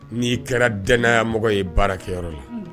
N''i kɛra dya mɔgɔ ye baara kɛyɔrɔ la